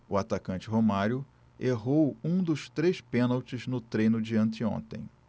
o atacante romário errou um dos três pênaltis no treino de anteontem